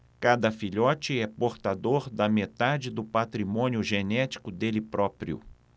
cada filhote é portador da metade do patrimônio genético dele próprio